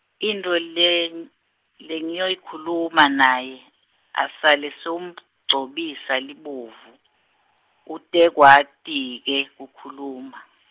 intfo leng- lengiyoyikhuluma naye, asale sewumugcobisa libovu, utekwati ke kukhuluma.